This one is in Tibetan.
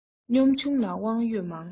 སྙོམས ཆུང ལ དབང ཡོད མང